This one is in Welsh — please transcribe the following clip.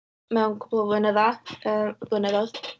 Mewn cwbl o flynyddau, yy, blynyddoedd.